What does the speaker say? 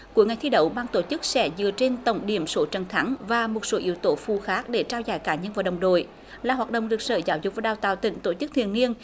của ngày thi đấu ban tổ chức sẽ dựa trên tổng điểm số trận thắng và một số yếu tố phụ khác để trao giải cá nhân và đồng đội là hoạt động được sở giáo dục và đào tạo tỉnh tổ chức thường niên